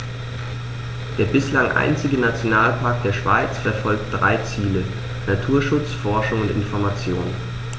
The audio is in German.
Der bislang einzige Nationalpark der Schweiz verfolgt drei Ziele: Naturschutz, Forschung und Information.